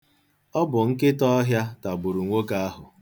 Ọ bụ nkịtaọhịa tagburu nwoke ahụ.